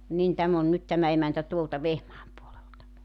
niin tämä on nyt tämä emäntä tuolta Vehmaan puolelta